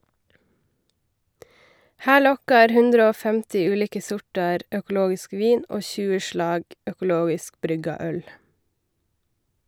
Her lokkar 150 ulike sortar økologisk vin og 20 slag økologisk brygga øl.